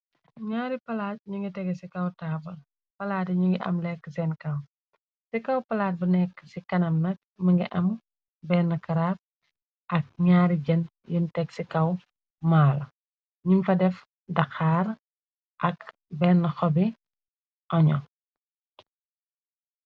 ñaari palaat ñu ngi teg ci kaw taabar palaat yi ñu ngi am nekk seen kaw ci kaw palaat bu nekk ci kanam nag më ngi am benn karaab ak ñaari jën yin teg ci kaw maala ñuñ fa def daxaar ak benn xobi año